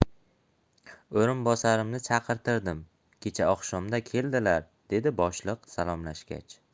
o'rinbosarimni chaqirtirdim kecha oqshomda keldilar dedi boshliq salomlashgach